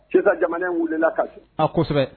Si jamana wilila kasi a kosɛbɛ